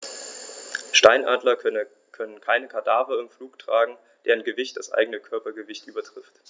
Steinadler können keine Kadaver im Flug tragen, deren Gewicht das eigene Körpergewicht übertrifft.